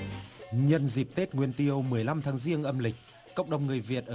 nhân dịp tết nguyên tiêu mười lăm tháng giêng âm lịch cộng đồng người việt ở